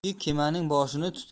ikki kemaning boshini